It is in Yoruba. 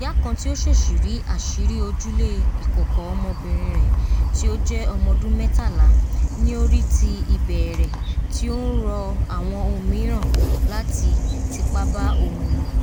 Iya kan ti o ṣesi ri aṣiri ojule ikọkọ ọmọbinrin rẹ ti o jẹ ọmọdun mẹtala ni o ri ti ibẹẹrẹ ti o n rọ awọn omiiran lati ‘’tipa ba oun lo.”